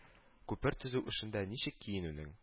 Күпер төзү эшендә ничек киенүең